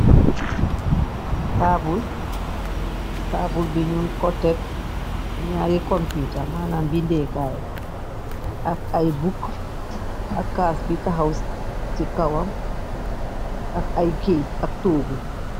taabul taabul bi nyung ko tek nyari computer manam bindeh kai ak ay book ak kaas bi tahaw si kawam ak ay kéyt ak togu